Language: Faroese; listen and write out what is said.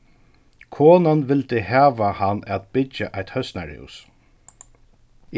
konan vildi hava hann at byggja eitt høsnarhús